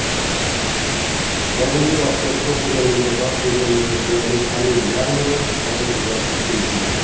hozirgi vaqtda qishloq xo'jaligida band bo'lgan mehnatchilarning qariyb yarmini xotin qizlar tashkil etmoqda